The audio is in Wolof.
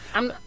am na